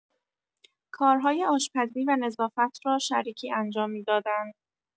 کارهای آشپزی و نظافت را شریکی انجام می‌دادند.